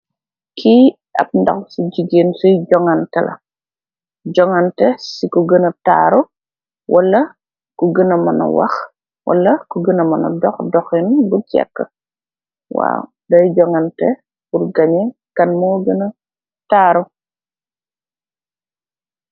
Ki ap ndaw si jigeen si joganteh la joganteh si ko gena taru wala ku gena muna wah wala ki gena muna dohh dohin bu jekarr waw dey joganteh pull gangeh kan mo gena taru.